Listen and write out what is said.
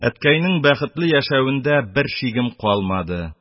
Әткәйнең бәхетле яшәвендә бер дә шигем калмады.